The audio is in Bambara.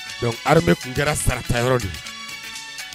Dɔnku hame tun kɛra sarata yɔrɔ de